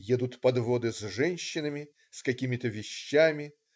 Едут подводы с женщинами, с какими-то вещами.